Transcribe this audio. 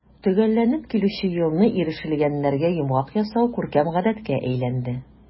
Төгәлләнеп килүче елны ирешелгәннәргә йомгак ясау күркәм гадәткә әйләнде.